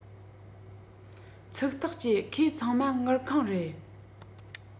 ཚིག ཐག བཅད ཁོས ཚང མ དངུལ ཁང རེད